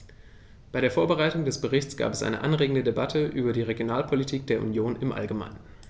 Bei der Vorbereitung des Berichts gab es eine anregende Debatte über die Regionalpolitik der Union im allgemeinen.